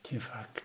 Ti'n fucked.